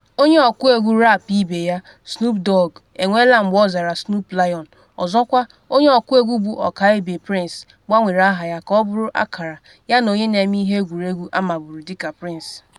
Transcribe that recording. Onye ọkụ egwu rap ibe ya, Snoop Dogg enwela mgbe ọ zara Snoop Lion, ọzọkwa onye ọkụ egwu bụ ọkaibe Prince, gbanwere aha ya ka ọ bụrụ akara yana onye na-eme ihe egwuregwu amaburu dịka Prince.